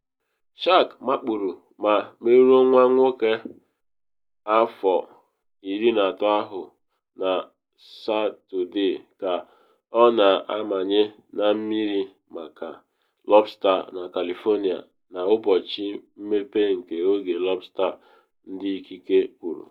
Shark makpuru ma merụọ nwa nwoke afọ 13 ahụ na Satọde ka ọ na amanye na mmiri maka lọbsta na California n’ụbọchị mmepe nke oge lọbsta, ndị ikike kwuru.